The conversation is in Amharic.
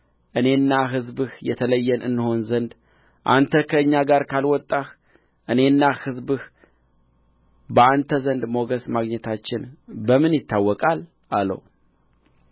እኔና ሕዝብህ የተለየን እንሆን ዘንድ አንተ ከእኛ ጋር ካልወጣህ እኔና ሕዝብህ በአንተ ዘንድ ሞገስ ማግኘታችን በምን ይታወቃል አለው